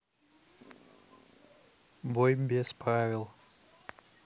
бой без правил